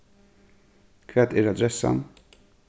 hvat er adressan